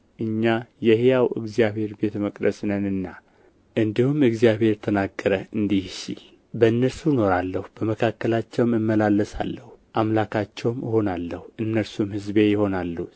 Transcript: እኛ የሕያው እግዚአብሔር ቤተ መቅደስ ነንና እንዲሁም እግዚአብሔር ተናገረ እንዲህ ሲል በእነርሱ እኖራለሁ በመካከላቸውም እመላለሳለሁ አምላካቸውም እሆናለሁ እነርሱም ሕዝቤ ይሆናሉ